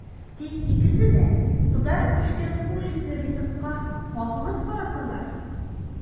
Тик икесе дә кызарып пешкән хуш исле ризыкка кагылып карасалар!